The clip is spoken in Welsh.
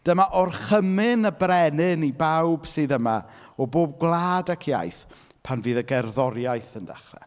Dyma orchymyn y brenin i bawb sydd yma, o bob gwlad ac iaith, pan fydd y gerddoriaeth yn dechrau.